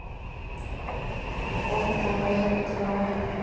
окко лед два